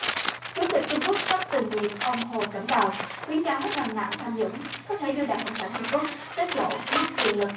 chủ tịch trung quốc sắp từ nhiệm ông hồ cẩm đào khuyến cáo rằng nạn tham nhũng có thể đưa đảng cộng sản trung quốc tới chỗ mất quyền lực